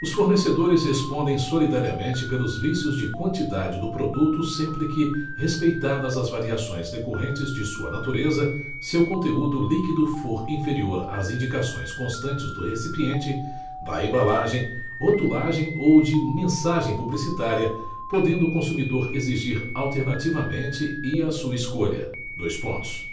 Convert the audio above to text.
os fornecedores respondem solidariamente pelos vícios de quantidade do produto sempre que respeitadas as variações decorrentes de sua natureza seu conteúdo líquido for inferior às indicações constantes do recipiente da embalagem rotulagem ou de mensagem publicitária podendo o consumidor exigir alternativamente e à sua escolha dois pontos